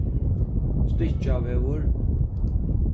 stykkjavegur